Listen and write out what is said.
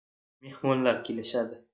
mehmonlar kelishadi